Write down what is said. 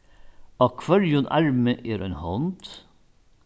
á hvørjum armi er ein hond